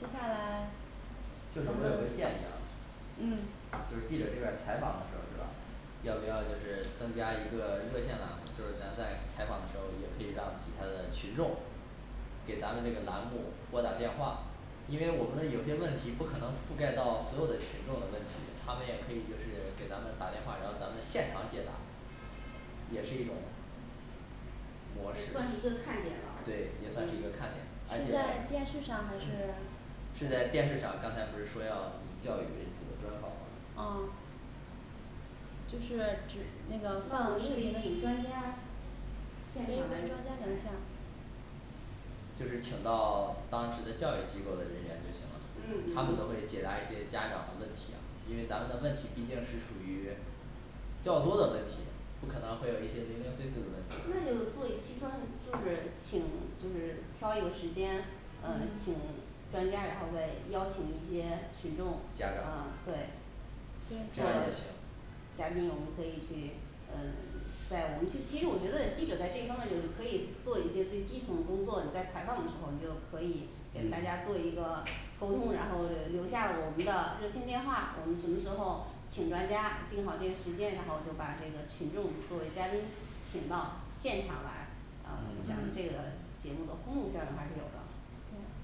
接下来 就咱是我有一们个建议啊嗯就是记者这边儿采访的时候儿是吧？要不要就是增加一个热线栏目，就是咱在采访的时候也可以让其他的群众给咱们这个栏目拨打电话，因为我们呢有些问题不可能覆盖到所有的群众的问题，他们也可以就是给在咱们打电话，然后咱们现场解答也是一种模也算式是一个看点了对，也算是一嗯个看点，而现且在电视上还是是在电视上，刚才不是说要以教育为主的专访吗啊就是指那个那放我们是不是得请专家现可场以跟专来家联系啊就是请到当时的教育机构的人员就行了。嗯他嗯们都可以解答一些家长的问题，啊因为咱们的问题毕竟是属于较多的问题不可能会有一些零零碎碎的问那题，就做一期专就是请就是挑一个时间呃嗯请专家，然后再邀请一些群众家长啊对对这这样样也也行行嘉宾我们可以去呃 在，我们去其实我觉得记者在这方面就可以做一些最基层的工作，你在采访的时候我们就可以跟大家做一个沟通，然后留下了我们的热线电话，我们什么时候请专家定好这个时间，然后就把这个群众作为嘉宾请到现场来。呃你想嗯这个节目的轰动效应还是有的对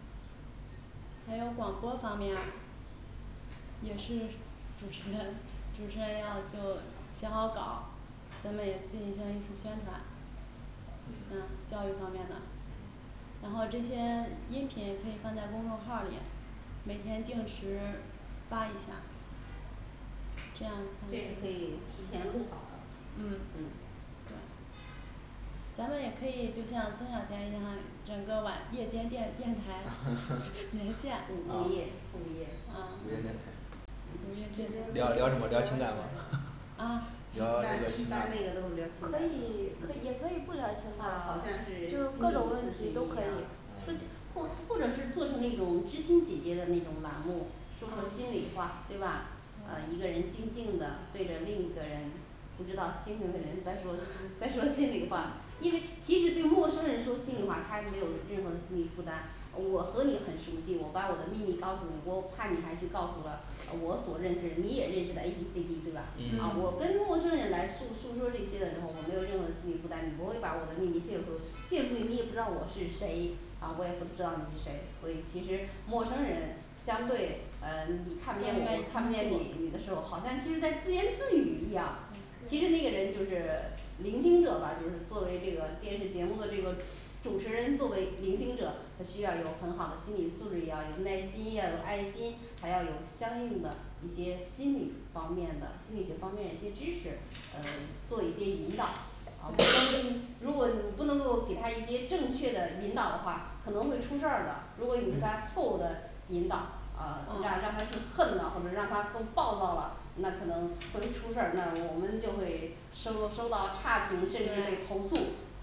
还有广播方面啊也是主持人 主持人要就写好稿，咱们也进行一次宣传嗯嗯教育方面的嗯然后这些 音频可以放在公众号儿里每天定时发一下这样可这是可以以提前录好的嗯对嗯咱们也可以就像曾小贤一样，整个晚夜间电电台 啊连线午 啊夜午夜啊连电台聊聊什么聊情感吗 啊，比一方说般这个一情感般那个都是聊情可感的以可也嗯可以不聊情好好像是心理咨感，就是各种问题询都一可样以嗯或或者是做成那种知心姐姐的那种栏目，说说啊心里话对吧？呃一个人静静的对着另一个人不知道心情的人，再说再说心里话 因为其实对陌生人说心里话，他没有任何心理负担，我和你很熟悉，我把我的秘密告诉你，我怕你还去告诉了呃我所认识你也认识的A B C D对吧？噢我嗯嗯跟陌生人来诉诉说这些的时候，我没有任何心理负担，你不会把我的秘密泄露出去，泄露出去你也不知道我是谁啊我也不知道你是谁，所以其实陌生人相对呃你看不见我我看不见你你的时候，好像就是在自言自语一样其实那个对人就是 聆听者吧就是作为这个电视节目的这个主持人作为聆听者，他需要有很好的心理素质也要有耐心，要有爱心，还要有相应的一些心理方面的心理学方面一些知识，呃做一些引导啊因为 如果你不能够给他一些正确的引导的话，可能会出事儿的。如果你给他错误的引导，啊让让他去恨呢或者让他更暴躁了，那可能会出事儿，那我们就会收收到差评，甚至被对投诉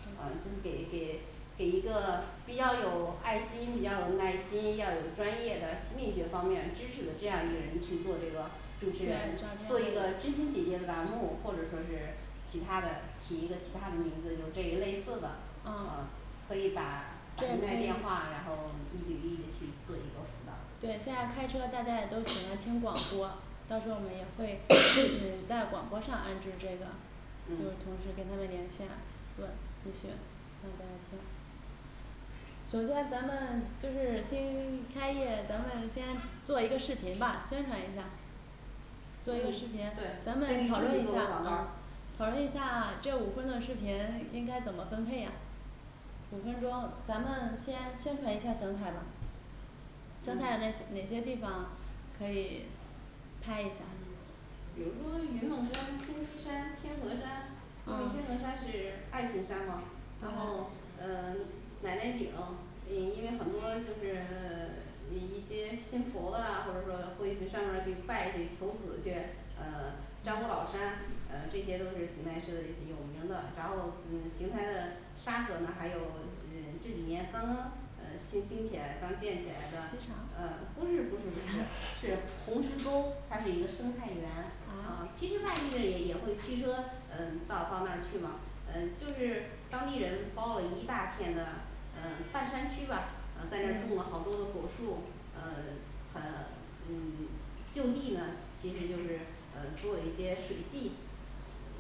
嗯就是给给给一个比较有爱心，比较有耐心，要有专业的心理学方面儿知识的这样一个人去做这个主持人，做一个知心姐姐的栏目，或者说是其他的起一个其他的名字就是这一类似的啊啊可以打打这也进可来电以话，然后一对一的去做一个辅导。对现在开车大家也都喜欢听广播到时候我们也会 嗯在广播上安置这个，就是嗯同时跟他们连线这不的确让大家听首先咱们就是新 开业，咱们先做一个视频吧宣传一下嗯对建做一个视频咱们立讨好自论己一做会下广，告嗯儿讨论一下这五分钟的视频应该怎么分配啊五分钟。咱们先宣传一下邢台吧邢嗯台的那哪些地方可以 拍一下比如说云梦山天梯山天河山。因为嗯天河山是爱情山吗然后嗯嗯 奶奶顶，因因为很多就是呃 一一些新婆啊或者说会去上面儿去拜去求子去呃张果老山呃这些都是邢台市的有名的然后嗯邢台的沙河呢还有呃这几年刚刚呃兴兴起来刚建起来的机场。呃，不是不是不是，是红石沟它是一个生态园，啊啊其实外地的也也会驱车嗯到到那去嘛呃就是当地人包了一大片的嗯半山区吧呃在那儿种了好多的果树，嗯 和嗯就地呢其实就是呃做了一些水季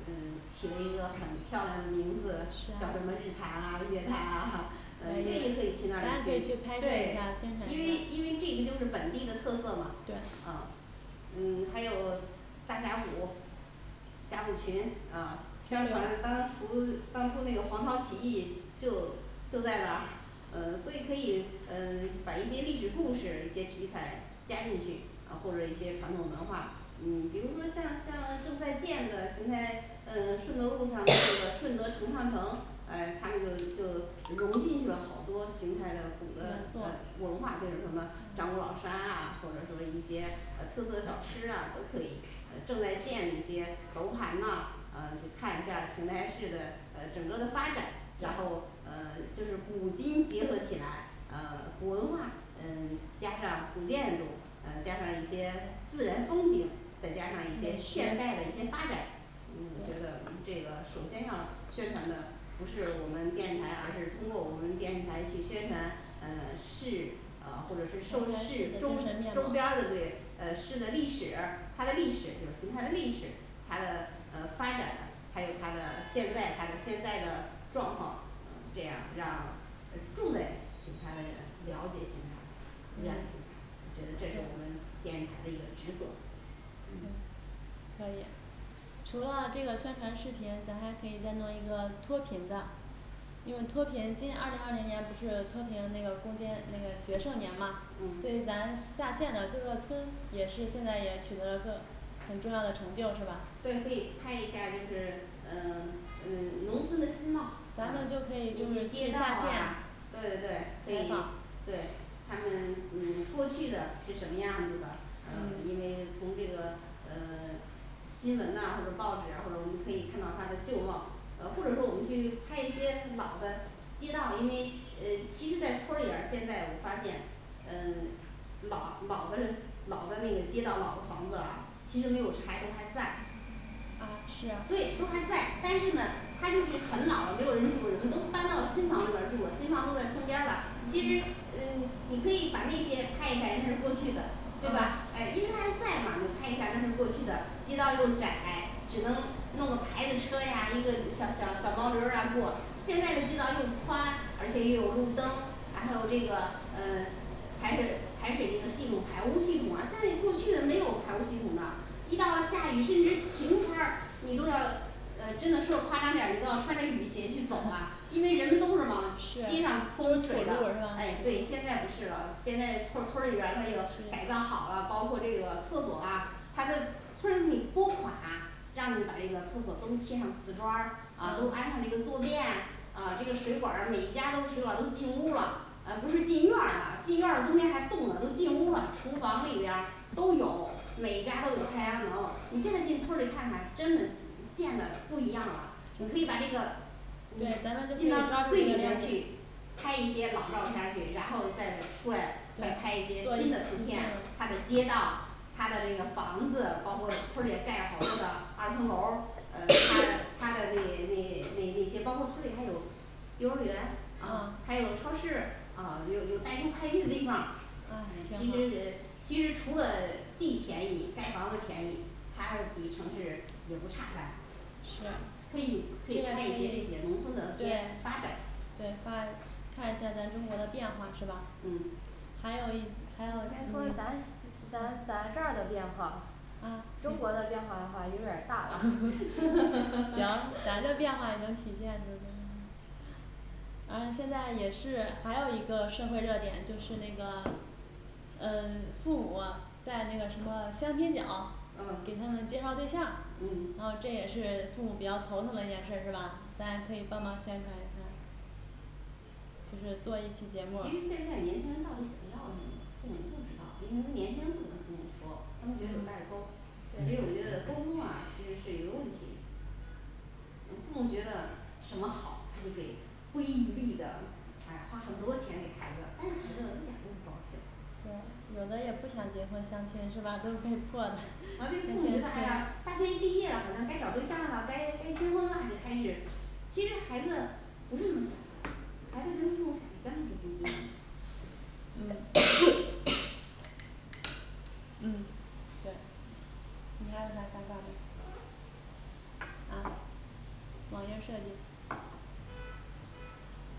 呃起了一个很漂亮的名字叫啥什么日 潭啊月潭啊 可呃这个以也可以咱也咱去那也可以里去去，拍摄一对下，宣传。一因为下因为这个就是本地的特色嘛啊对啊嗯 还有大峡谷甲骨群啊相传当初当初那个黄巢起义就就在那儿呃所以可以呃把一些历史故事一些题材加进去啊或者一些传统文化嗯比如说像像正在建的邢台嗯顺德路上的那 个顺德城上城呃他们就就融进去了好多邢台的古的元素呃文化，就是有什么张果老山啊或者说一些呃特色小吃啊都可以呃正在建的一些楼盘呐呃去看一下儿邢台市的呃整个的发展。然后呃就是古今结合起来呃古文化嗯加上古建筑，呃加上一些自然风景，再加上一些现代的一些发展嗯觉得这个首先要宣传的不是我们电视台，而是通过我们电视台去宣传嗯事呃或者是受邢台市市的周精神面周貌边儿的这呃市的历史，它的历史就邢台的历史它的呃发展，还有它的现在它的现在的状况呃这样让呃众类去爬个山了解一下它然嗯我觉得这是我们电视台的一个职责嗯嗯可以除了这个宣传视频，咱还可以再弄一个脱贫的因为脱贫今年二零二零年不是脱贫那个攻坚那个决胜年嘛嗯所以咱下线的各个村也是现在也取得了个很重要的成就是吧？对可以。拍一下就是嗯嗯农村的新貌。咱们就可以嗯就那些是街去道下啊县，对对对可采以访对。他们嗯过去的是什么样子的？呃嗯因为从这个呃 新闻呐或者报纸啊或者我们可以看到它的旧貌，呃或者说我们去拍一些老的街道，因为呃其实在村儿里儿现在我发现呃 老老的老的那个街道老的房子啊其实没有拆，都还在啊是啊对都还在，但是呢他就是很老了没有人住，人都搬到新房那边儿住了，新房都在村边儿了，其实嗯你可以把那些拍一拍那是过去的对吧？哎因为他还在呢你就拍一下，那是过去的街道又窄，只能弄个牌子车呀一个小小小毛驴儿啊过，现在的街道又宽，而且又有路灯，啊还有这个呃 排水排水这个系统，排污系统啊像你过去的没有排污系统的，一到了下雨甚至晴天儿，你都要呃真的说的夸张点儿，你都要穿着雨鞋去走啊因为人们都是往 街上是泼泼给水的路是，哎吧对现在不是了。现在村儿村儿里边儿他又改造好了，包括这个厕所啊他的村儿给你拨款让你把这个厕所都贴上瓷砖儿啊，都嗯安上这个坐便啊这个水管儿，每一家都水管儿都进屋了，呃不是进院儿了进院儿了冬天还冻了，都进屋了，厨房里边儿都有每家都有太阳能，你现在进村儿里看看，真的见的不一样了，你可以把这个对咱们就嗯可以进抓到住这最里个亮面点去拍一些老照片儿去，然后再出来再拍一些对做一新的次图出境片。它的街道它的这个房子，包括村儿里也盖了好多的二层楼儿，呃它 它的那那那那些包括村儿里还有幼儿园啊啊，还有超市啊有有代收快递的地方，哎啊，挺其好实呃其实除了地便宜盖房子便宜，它比城市也不差啥是，虽然可拍一以可以拍一些这些农村的，一对些发展对发。看一下咱中国的变化是吧还有一还有先说咱咱咱这儿的变化啊，中国的变化的话有点儿大吧行 行。咱的变化也能体现就是咱们嗯现在也是还有一个社会热点就是那个嗯 父母在那个什么相亲角嗯给他们介绍对象，嗯然后这也是父母比较头疼的一件事儿是吧？咱也可以帮忙宣传一下就是做一期其实节目现在年轻人到底想要什么父母不知道，因为他年轻人不跟父母说，他们觉得有代沟其实我对觉得沟通啊其实是一个问题嗯父母觉得什么好，他就给不遗余力的哎花很多钱给孩子，但是孩子一点儿都不高兴对，有的也不想结婚相亲是吧？都是被迫的好这 父母觉得哎呀大学毕业了好像该找对象儿了，该该结婚了就开始其实孩子不是那么想的孩子跟父母喜跟不一样 嗯 嗯对你还有啥想法儿没有啊网页设计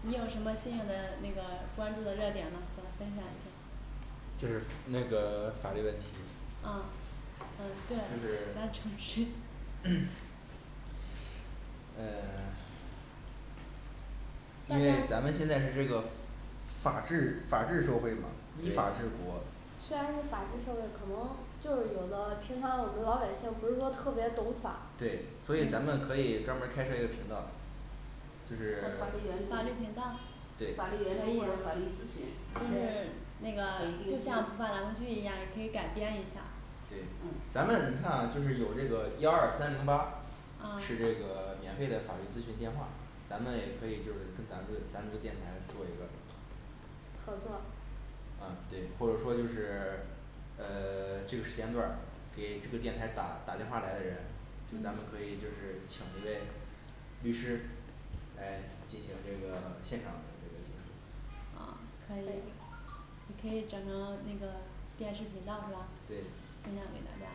你有什么新颖的那个关注的热点吗？想分享一下这是那个 法律问题嗯嗯就对。蛮诚是 实 嗯 因但在为咱们现在是这个法治法治社会嘛依对法治国虽然是法治社会可能就是有的平常我们老百姓不是说特别懂法，对所以咱们可以专门儿开设一个频道就算是 法法律律援助频道对法律援助或者可法律以咨询就是那可个 以就定期像普法栏目剧一样也可以改编一下对嗯咱们你看啊就是有这个幺二三零八啊是这个 免费的法律咨询电话咱们也可以就是跟咱们单独电台做一个合作啊对或者说就是 呃 这个时间段儿给这个电台打打电话来的人就咱嗯们可以就是请一位律师来进行这个现场的这个解说。啊可可以以，你可以整成那个电视频道是吧？对分享给大家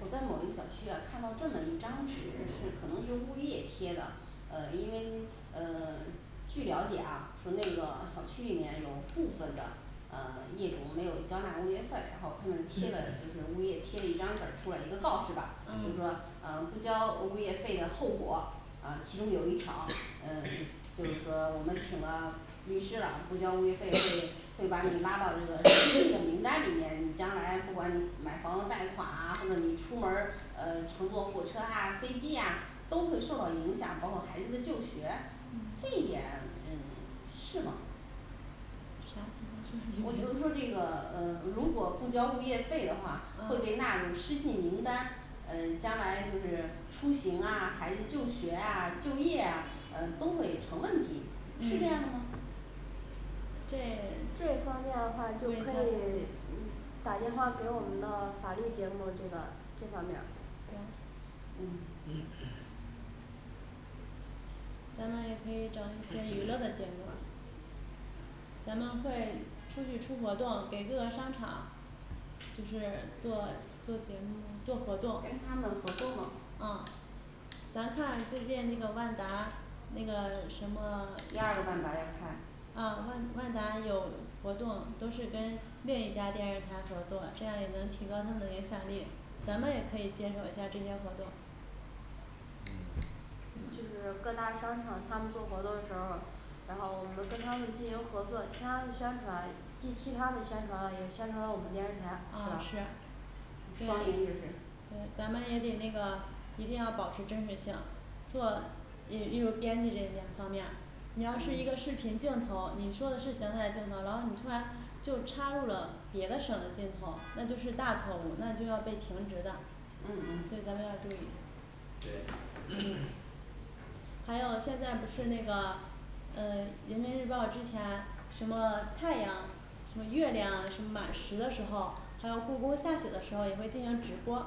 我在某一个小区啊看到这么一张纸，是可能是物业贴的，呃因为嗯 据了解啊说那个小区里面有部分的呃业主没有交纳物业费，然后他们贴的就是物业贴了一张纸儿出来一个告示吧就是嗯说嗯不交物业费的后果啊其中有一条儿呃 就是说我们请了律师了，不交物业费会 会把你拉到这个失信的 名单里面，你将来不管你买房子贷款啊或者你出门儿呃乘坐火车啊飞机啊都会受到影响，包括孩子的就学嗯这一点嗯 是吗啥就刚才我就我说的这个 说这个 呃如果不交物业费的话，会被啊纳入失信名单嗯将来就是出行啊孩子就学啊就业啊呃都会成问题。是这嗯样的吗这这 方面儿的话就可以打电话给我们的法律节目这个这方面儿。对嗯咱们也可以找一些娱乐的节目啊咱们会出去出活动，给各个商场就是做做节目。做活动跟他们合作吗？啊咱看最近那个万达那个什么 第二个万达要开啊万万达有活动都是跟另一家电视台合作，这样也能提高他们的影响力咱们也可以接手一下这些活动嗯就是各大商场当做活动时候儿然后比如跟他们进行合作，替他们宣传即替他们宣传了也宣传了我们电视台啊是吧是双对赢这是对咱们也得那个一定要保持真实性做艺艺术编辑这两方面儿你要是一个嗯视频镜头，你说的是邢台镜头，然后你突然就插入了别的省的镜头，那就是大错误，那就要被停职的嗯所嗯以咱们要注意对嗯 还有现在不是那个呃人民日报之前什么太阳什么月亮，什么满食的时候，还有故宫下雪的时候也会进行直播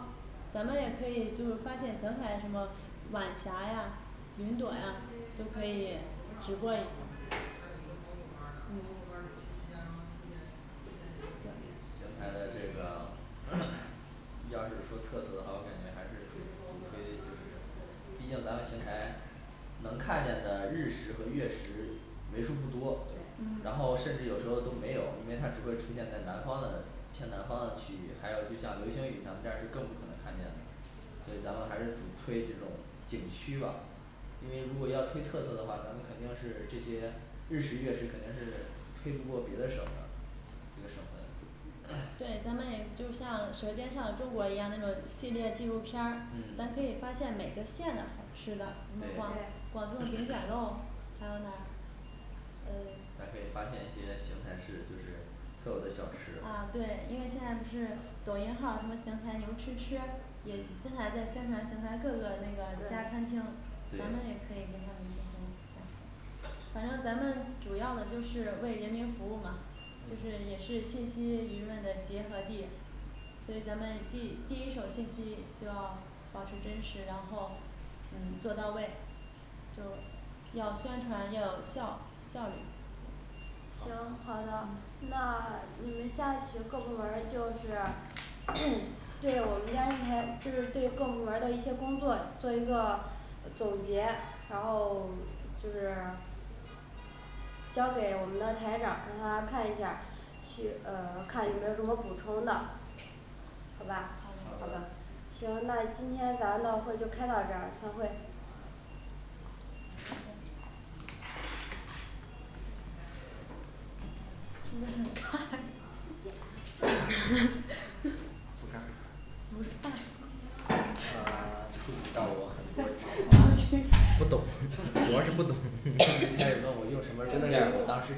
咱们也可以就是发现邢台什么晚霞呀云朵呀都可以直播一下邢台的这个 要是说特色的话，我感觉还是属于我们可以就是毕竟咱们邢台能看见的日食和月食人数不多。对嗯然后甚至有时候都没有，因为他只会出现在南方的偏南方的区域，还有就像流星雨咱们这儿是更不可能看见的所以咱们还是主推这种景区吧因为如果要推特色的话，咱们肯定是这些，日食月食肯定是推不过别的省的别的省的对咱们也就像舌尖上的中国一样那种系列纪录片儿，咱可嗯以发现每个县的吃的。什么广对广宗的饼卷肉。还有哪儿？嗯 咱可以发现一些邢台市就是特有的小吃，啊对，因为现在不是抖音号什么邢台牛吃吃，也嗯经常在宣传邢台各个那个家餐厅，咱们也对可以跟他们进行反正咱们主要的就是为人民服务嘛，嗯就是也是信息舆论的结合地所以咱们第第一手信息就要保持真实，然后嗯做到位就要宣传要有效，效率行好。好的嗯，那你们下去各部门儿就是 对我们家现在就是对各部门儿的一些工作做一个 总结，然后 就是交给我们的台长让他看一下儿，这呃看有没有什么补充的好吧好好好好的的行，那今天咱们的会就开到这儿散会。